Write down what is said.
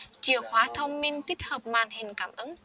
chìa khóa thông minh tích hợp màn hình cảm ứng